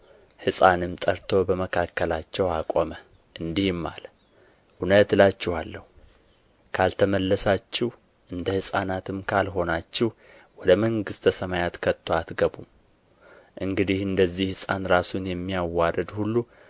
ሕፃንም ጠርቶ በመካከላቸው አቆመ እንዲህም አለ እውነት እላችኋለሁ ካልተመለሳችሁ እንደ ሕፃናትም ካልሆናችሁ ወደ መንግሥተ ሰማያት ከቶ አትገቡም እንግዲህ እንደዚህ ሕፃን ራሱን የሚያዋርድ ሁሉ